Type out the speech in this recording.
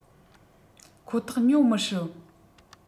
ཁོ ཐག ཉོ མི སྲིད